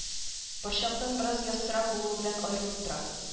Борчактан бераз яссырак булуы белән аерылып тора